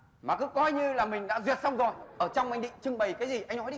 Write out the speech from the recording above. mà cứ coi như là mình đã duyệt xong rồi ở trong anh định trưng bày cái gì anh nói đi